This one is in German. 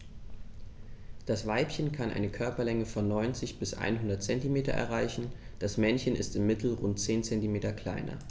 Das Weibchen kann eine Körperlänge von 90-100 cm erreichen; das Männchen ist im Mittel rund 10 cm kleiner.